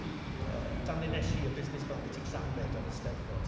i yy danlinellu'r busnes 'ma ambiti Llanbed a'r Eisteddfod.